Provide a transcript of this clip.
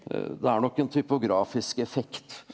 det er nok en typografisk effekt.